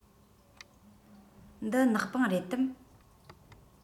འདི ནག པང རེད དམ